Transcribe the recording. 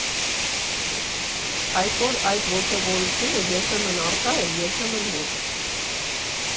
Այսօր այդ ոգևորվածությունը երբեմն առկա է, երբեմն ոչ։